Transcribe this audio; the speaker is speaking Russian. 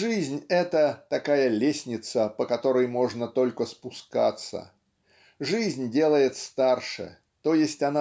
жизнь - это такая лестница, по которой можно только спускаться. Жизнь делает старше, т. е.